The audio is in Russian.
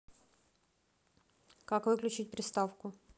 как выключить приставку